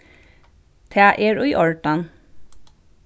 tað er í ordan